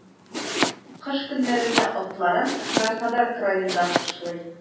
Кыш көннәрендә атларым Краснодар краенда кышлый.